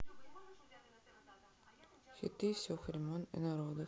хиты всех времен и народов